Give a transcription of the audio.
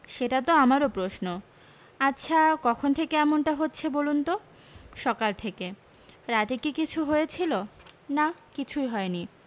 সেটা তো আমারও প্রশ্ন আচ্ছা কখন থেকে এমনটা হচ্ছে বলুন তো সকাল থেকে রাতে কি কিছু হয়েছিল না কিছুই হয়নি